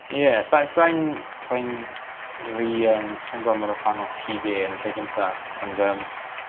ie sa sai'n sai'n ry yym sai'n gormod o ffan o Pee Dee Aye yn y lle gynta ond yym